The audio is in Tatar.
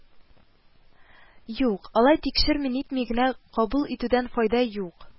Юк, алай тикшерми-нитми генә кабул итүдән файда юк